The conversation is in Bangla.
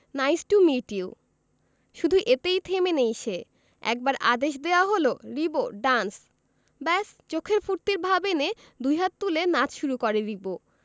নাইস টু মিট ইউ শুধু এতেই থেমে নেই সে একবার আদেশ দেওয়া হলো রিবো ড্যান্স ব্যাস চোখের ফূর্তির ভাব এনে দুই হাত তুলে নাচ শুরু করে রিবো